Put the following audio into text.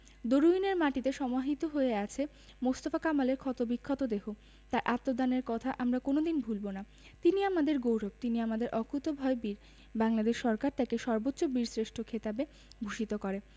দরুইনের মাটিতে সমাহিত হয়ে আছে মোস্তফা কামালের ক্ষতবিক্ষত দেহ তাঁর আত্মদানের কথা আমরা কোনো দিন ভুলব না তিনি আমাদের গৌরব তিনি আমাদের অকুতোভয় বীর বাংলাদেশ সরকার তাঁকে সর্বোচ্চ বীরশ্রেষ্ঠ খেতাবে ভূষিত করে